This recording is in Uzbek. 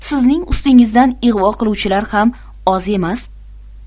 sizning ustingizdan ig'vo qiluvchilar ham oz emas